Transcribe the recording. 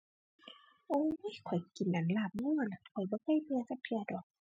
โอ๊ย ข้อยกินอั่นลาบวัวน่ะ ข้อยบ่เคยเบื่อจักเทื่อดอก